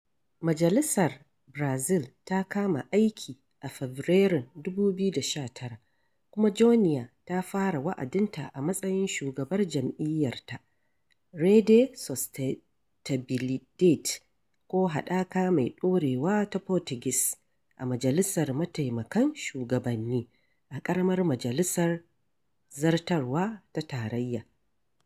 Majalisar Barazil ta kama aiki a Fabarairun 2019 kuma Joenia ta fara wa'adinta a matsayin shugabar jam'iyyarta, Rede Sustentabilidade (ko Haɗaka Mai ɗorewa da Portuguese), a majalisar mataimakan shugabanni, a ƙaramar majalisar zartarwa ta tarayya.